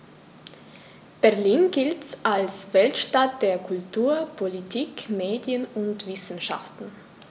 Berlin gilt als Weltstadt der Kultur, Politik, Medien und Wissenschaften.